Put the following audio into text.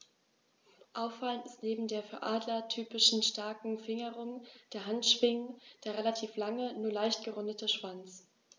Auffallend ist neben der für Adler typischen starken Fingerung der Handschwingen der relativ lange, nur leicht gerundete Schwanz.